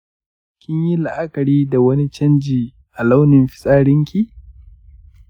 kinyi la'akari da wani chanji a launin fitsarinki?